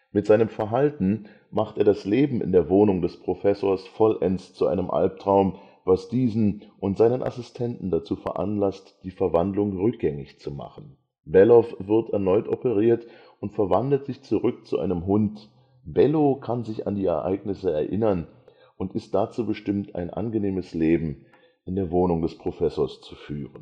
Mit seinem Verhalten macht er das Leben in der Wohnung des Professors vollends zu einem Albtraum, was diesen und seinen Assistenten dazu veranlasst, die Verwandlung rückgängig zu machen: Bellow wird erneut operiert und verwandelt sich zurück zu einem Hund. Bello kann sich nicht an die Ereignisse erinnern und ist dazu bestimmt, ein angenehmes Leben in der Wohnung des Professors zu führen